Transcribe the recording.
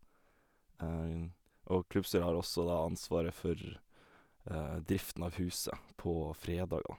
Og Klubbstyret har også da ansvaret for driften av huset på fredager.